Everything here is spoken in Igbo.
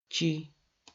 chī